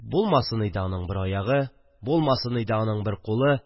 Булмасын иде аның бер аягы, булмасын иде аның бер кулы